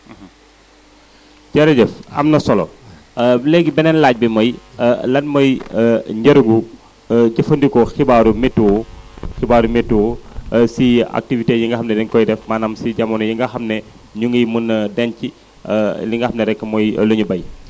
jërëjëf am na solo léegi beneen laaj bi mooy lan mooy njëriñu jëfandikoo xibaaru météo xibaaru météo si activités yi nga xam ne dañ koy def maanaam si jamono yi nga xam ne ñu ngi mën a denc li nga xam ne rek mooy li ñy béy